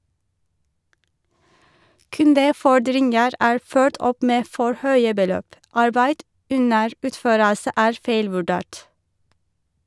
Kundefordringer er ført opp med for høye beløp, arbeid under utførelse er feilvurdert.